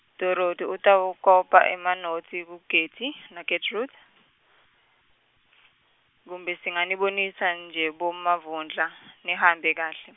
Dorothi utawukopa emanotsi kuGetty, naGetrude , kumbe singanibonisa nje boMavundla, nihambe kahle.